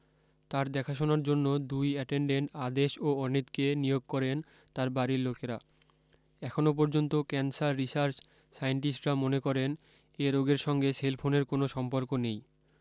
তাঁর দেখাশোনার জন্য দুই অ্যাটেনডেন্ট আদেশ ও অনীতকে নিয়োগ করেন তার বাড়ীর লোকেরা এখনও পর্যন্ত ক্যানসার রিসার্চ সাইনটিস্টরা মনে করেন এ রোগের সঙ্গে সেলফোনের কোনও সম্পর্ক নেই